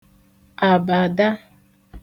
àbàdà